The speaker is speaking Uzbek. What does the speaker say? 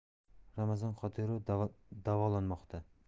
ramzan qodirov davolanmoqda